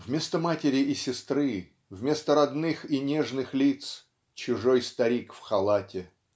Вместо матери и сестры, вместо родных и нежных лиц чужой старик в халате.